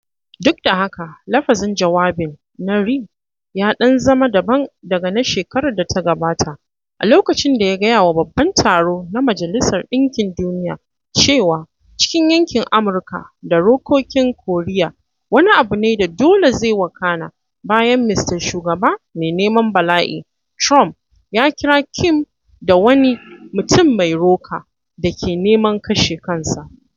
Duk da haka, lafazin jawabin na Ri ya ɗan zama daban daga na shekarar da ta gabata, a lokacin da ya gaya wa Babban Taro na Majalisar Ɗinkin Duniyar cewa cikin yankin Amurka da rokokin Koriya wani abu ne da dole zai wakana bayan “Mista Shugaba Mai Neman Bala’i” Trump ya kira Kim da wani “mutum mai roka” da ke neman kashe kansa.